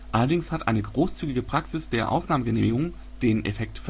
Allerdings hat eine großzügige Praxis der Ausnahmegenehmigungen den Effekt